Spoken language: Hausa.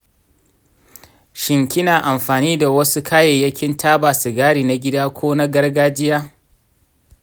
shin kina amfani da wasu kayayyakin taba sigari na gida ko na gargajiya?